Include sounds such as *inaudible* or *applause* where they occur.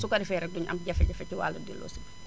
su ko defee rek duñu am jafe-jafe *noise* rek ci wàllu delloosi bi